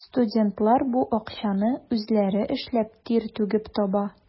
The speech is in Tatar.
Студентлар бу акчаны үзләре эшләп, тир түгеп таба.